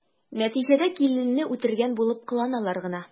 Нәтиҗәдә киленне үтергән булып кыланалар гына.